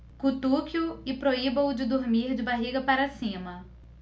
cutuque-o e proíba-o de dormir de barriga para cima